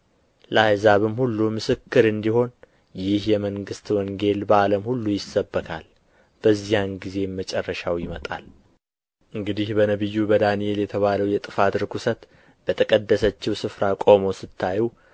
ለአሕዛብም ሁሉ ምስክር እንዲሆን ይህ የመንግሥት ወንጌል በዓለም ሁሉ ይሰበካል በዚያን ጊዜም መጨረሻው ይመጣል እንግዲህ በነቢዩ በዳንኤል የተባለውን የጥፋትን ርኩሰት በተቀደሰችው ስፍራ ቆሞ ስታዩ